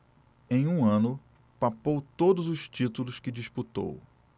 em um ano papou todos os títulos que disputou